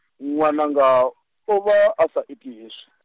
nwananga, o vha a sa iti hezwi .